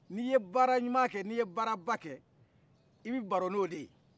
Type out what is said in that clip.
ni ye baara ɲumakɛ ni ye baaraba kɛ i bɛ baro n'ode ye